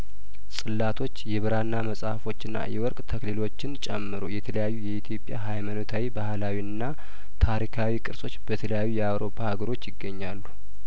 ጽላቶች የብራና መጽሀፎች እና የወርቅ ተክሊሎችን ጨምሮ የተለያዩ የኢትዮጵያ ሀይማኖታዊ ባህላዊና ታሪካዊ ቅርሶች በተለያዩ የአውሮፓ ሀገሮች ይገኛሉ